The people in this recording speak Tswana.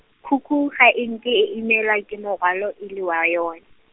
khukhu, ga e nke e imelwa ke morwalo e le wa yone.